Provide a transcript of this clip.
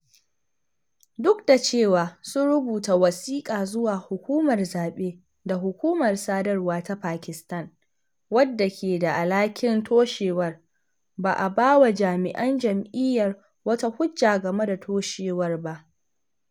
Duk da cewa sun rubuta wasiƙa zuwa hukumar zaɓe da Hukumar Sadarwa ta Pakistan (wadda ke da alhakin toshewar), ba a bawa jami'an jam'iyyar wata hujja game da toshewar ba.